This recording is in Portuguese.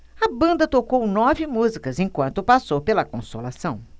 a banda tocou nove músicas enquanto passou pela consolação